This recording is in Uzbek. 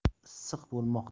issiq bo'lmoqda